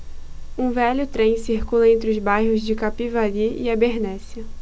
um velho trem circula entre os bairros de capivari e abernéssia